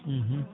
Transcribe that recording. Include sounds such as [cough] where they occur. [hesitation] [hesitation]